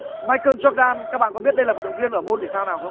mai cơn gioóc đan các bạn có biết đây là vận động viên ở môn thể thao nào không